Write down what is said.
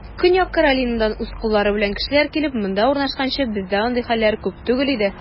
Көньяк Каролинадан үз коллары белән кешеләр килеп, монда урнашканчы, бездә андый хәлләр күп түгел иде.